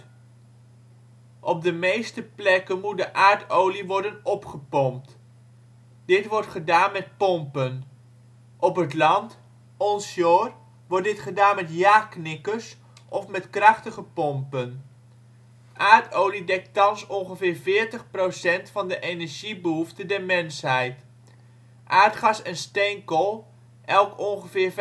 Op de meeste plekken moet de aardolie worden opgepompt. Dit wordt gedaan met pompen. Op het land (onshore) wordt dit gedaan met jaknikkers of met krachtige pompen. Aardolie dekt thans ongeveer 40 % van de energiebehoefte der mensheid. Aardgas en steenkool elk ongeveer